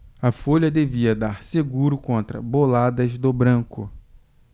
a folha devia dar seguro contra boladas do branco